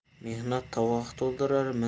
mehnat tovoq to'ldirar